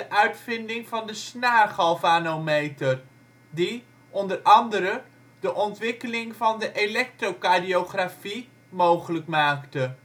uitvinding van de snaargalvanometer, die, onder andere, de ontwikkeling van de elektrocardiografie mogelijk maakte